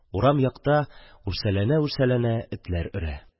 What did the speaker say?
Урам якта үрсәләнә-үрсәләнә этләр өрә.